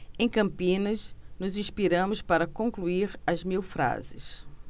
em campinas nos inspiramos para concluir as mil frases